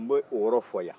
n b'o yɔrɔ fɔ yan